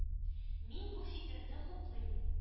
Мин бу фикерне хуплыйм.